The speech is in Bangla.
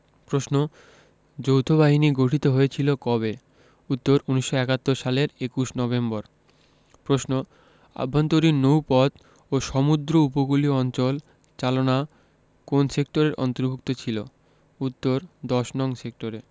প্রশ্ন যৌথবাহিনী গঠিত হয়েছিল কবে উত্তর ১৯৭১ সালের ২১ নভেম্বর প্রশ্ন আভ্যন্তরীণ নৌপথ ও সমুদ্র উপকূলীয় অঞ্চল চালনা কোন সেক্টরের অন্তভু র্ক্ত ছিল উত্তরঃ ১০নং সেক্টরে